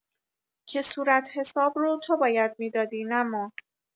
که صورتحساب رو تو باید می‌دادی نه ما!